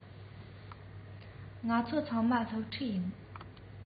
ང ཚོ ཚང མ སློབ ཕྲུག ཡིན